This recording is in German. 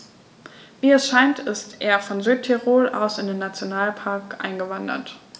Wie es scheint, ist er von Südtirol aus in den Nationalpark eingewandert.